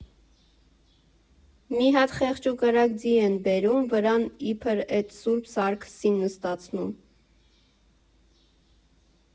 Մի հատ խեղճ ու կրակ ձի են բերում, վրան իբր էդ Սուրբ Սարգսին նստացնում։